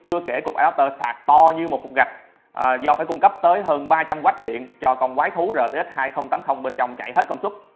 chưa kể cục adater sạc to như một cục gạch do phải cung cấp tới hơn w điện cho con quái thú rtx bên trong chạy hết công suất